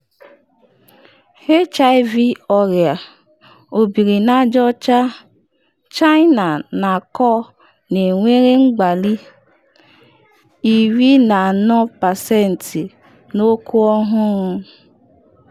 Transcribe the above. HIV/Ọrịa obiri n’aja ọcha: China n’akọ na-enwere mgbali 14% n’okwu ọhụrụ